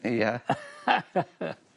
Ia.